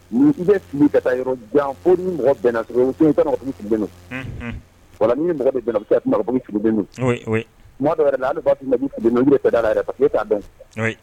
Ni i bɛ jan fo ni mɔgɔ bɛn wa ni mɔgɔ bɛ bɛnna la da' dɔn